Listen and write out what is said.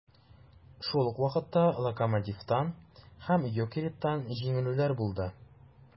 Шул ук вакытта "Локомотив"тан (2:6) һәм "Йокерит"тан (1:3) җиңелүләр булды.